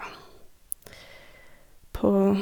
På...